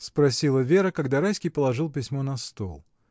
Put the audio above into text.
— спросила Вера, когда Райский положил письмо на стол.